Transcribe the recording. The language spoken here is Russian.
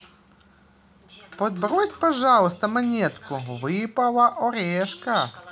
подбрось пожалуйста монетку выпала орешка